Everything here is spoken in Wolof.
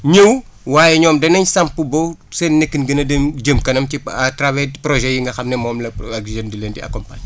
ñëw waaye ñoom danañ samp seen nekkin gën a dem jëm kanam ci à travers projets yi nga xam ne moom la Agri Jeunes di leen di accompagner